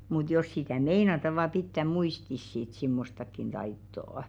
mutta jos sitä meinataan vain pitää muistissa sitten semmoistakin taitoa